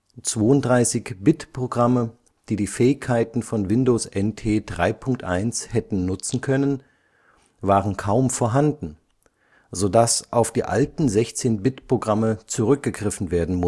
32-Bit-Programme, die die Fähigkeiten von Windows NT 3.1 hätten nutzen können, waren kaum vorhanden, sodass auf die alten 16-Bit-Programme zurückgegriffen werden